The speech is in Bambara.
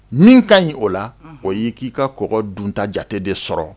Min ka ɲi o la o y'i k'i ka kɔɔgɔ dunta ja de sɔrɔ